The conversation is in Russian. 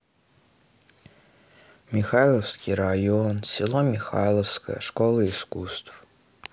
михайловский район село михайловское школа искусств